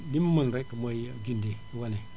li mu mën rek mooy gindi wane